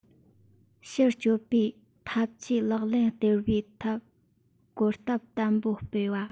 ཕྱིར སྐྱོད པའི འཐབ ཇུས ལག ལེན བསྟར བའི ཐད གོམ སྟབས བརྟན པོ སྤོས བ